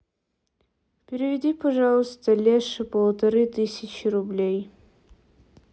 переведи пожалуйста леше полторы тысячи рублей